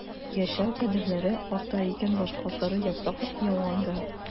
Яшәү кадерләре арта икән башка сары яфрак яуганда...